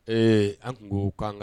Ee an ko ko ko'an